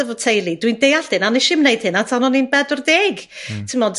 efo teulu. Dwi'n deallt hyn. A ness i'm neud hynna tan bedwar deg. Hmm. T'mod